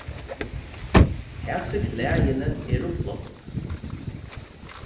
hasi klæðini eru flott